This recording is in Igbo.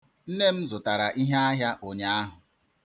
Nne m zụtara iheahịa ụnyaahụ.